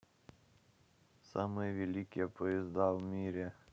самые великие поезда в мире